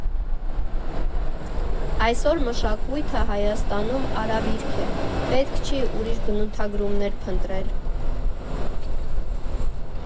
Այսօր մշակույթը Հայաստանում արհավիրք է՝ պետք չի ուրիշ բնութագրումներ փնտրել։